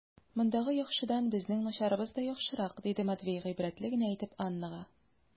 Мондагы яхшыдан безнең начарыбыз да яхшырак, - диде Матвей гыйбрәтле генә итеп Аннага.